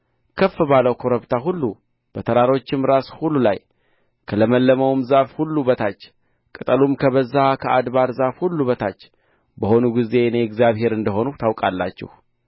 ከፍ ባለው ኮረብታ ሁሉ በተራሮችም ራስ ሁሉ ላይ ከለመለመውም ዛፍ ሁሉ በታች ቅጠሉም ከበዛ ከአድባር ዛፍ ሁሉ በታች በሆኑ ጊዜ እኔ እግዚአብሔር እንደ ሆንሁ ታውቃላችሁ